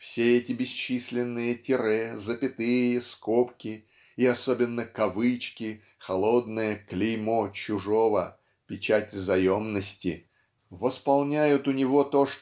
Все эти бесчисленные тире запятыя скобки и особенно кавычки холодное клеймо чужого печать заемности восполняют у него то